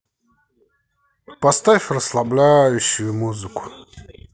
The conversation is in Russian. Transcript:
поставь расслабляющую музыку